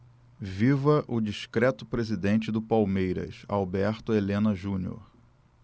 viva o discreto presidente do palmeiras alberto helena junior